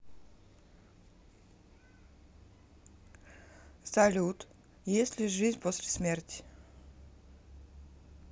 салют есть ли жизнь после смерти